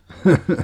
-